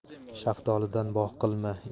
shaftolidan bog' qilma